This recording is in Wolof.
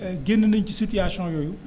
génn naénu ci situation yooyu